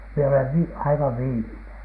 minä olen - aivan viimeinen